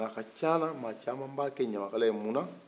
nk'a ka c'ala maa caaman baa kɛ ɲamakala ye muna